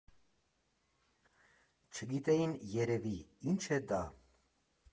Չգիտեին երևի՝ ի՞նչ է դա։